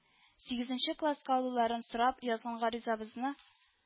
Сигезенче класска алуларын сорап язган гаризабызны